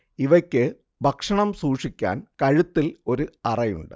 ഇവയ്ക്ക് ഭക്ഷണം സൂക്ഷിക്കാൻ കഴുത്തിൽ ഒരു അറയുണ്ട്